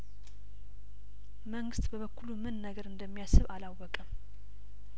መንግስት በበኩሉ ምን ነገር እንደሚያስብ አላወቀም